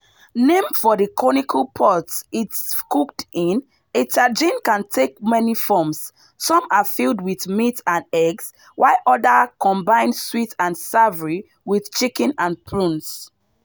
Named for the conical pot it's cooked in, a tajine can take many forms; some are filled with meat and eggs, while others combine sweet and savory with chicken and prunes.